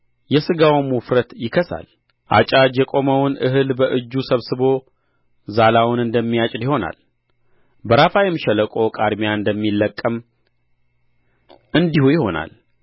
የሥጋውም ውፍረት ይከሳል አጫጅ የቆመውን እህል በእጁ ሰብስቦ ዛላውን እንደሚያጭድ ይሆናል በራፋይም ሸለቆ ቃርሚያ እንደሚለቅም እንዲሁ ይሆናል